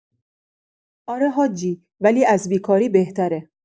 آره حاجی، ولی از بیکاری بهتره.